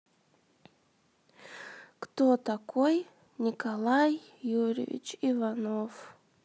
кто такой николай юрьевич иванов